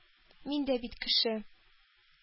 Мин дә бит кеше,